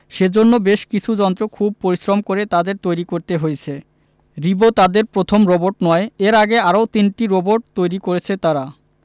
সেজন্য বেশ কিছু যন্ত্র খুব পরিশ্রম করে তাদের তৈরি করতে হয়েছে রিবো তাদের প্রথম রোবট নয় এর আগে আরও তিনটি রোবট তৈরি করেছে তারা